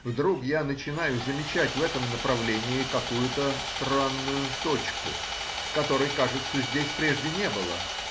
— вдруг я начинаю замечать в этом направлении какую-то странную точку, которой, кажется, здесь прежде не было.